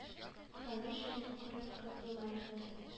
Таныш йөзне күреп, кыз елмайды: